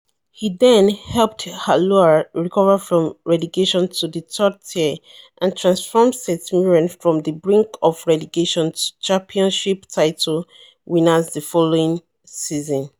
He then helped Alloa recover from relegation to the third tier, and transformed St Mirren from the brink of relegation to Championship title winners the following season.